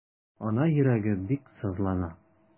Ана йөрәге бик сызлана.